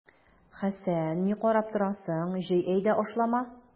Хәсән, ни карап торасың, җый әйдә ашлама!